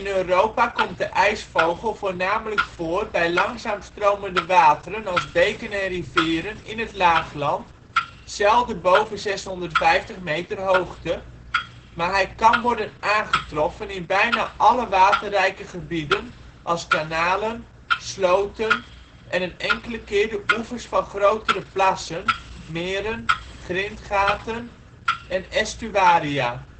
Europa komt de ijsvogel voornamelijk voor bij langzaam stromende wateren als beken en rivieren in het laagland (zelden boven 650 meter hoogte), maar hij kan worden aangetroffen in bijna alle waterrijke gebieden, als kanalen, sloten en een enkele keer de oevers van grotere plassen, meren, grindgaten en estuaria